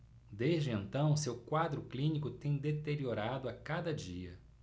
desde então seu quadro clínico tem deteriorado a cada dia